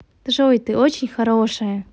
джой ты очень хорошая